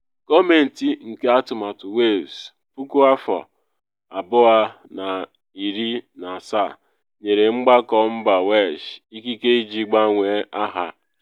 Gọọmentị nke Atụmatụ Wales 2017 nyere mgbakọ mba Welsh ikike iji gbanwee aha ya.